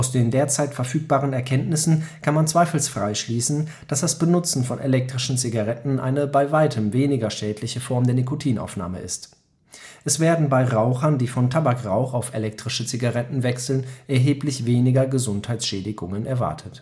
den derzeit verfügbaren Erkenntnissen kann man zweifelsfrei schließen, dass das Benutzen von elektrischen Zigaretten eine bei Weitem weniger schädliche Form der Nicotinaufnahme ist. Es werden bei Rauchern, die von Tabakrauch auf elektrische Zigaretten wechseln, erheblich weniger Gesundheitsschädigungen erwartet